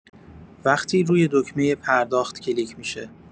وقتی روی دکمۀ پرداخت کلیک می‌شه